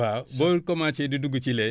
waaw boo commencé di dugg ci lee